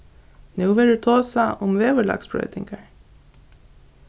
nú verður tosað um veðurlagsbroytingar